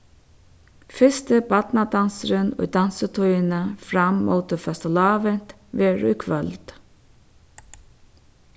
fyrsti barnadansurin í dansitíðini fram móti føstulávint verður í kvøld